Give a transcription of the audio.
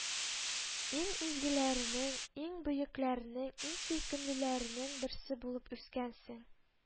Иң изгеләрнең, иң бөекләрнең, иң сөйкемлеләрнең берсе булып үскәнсең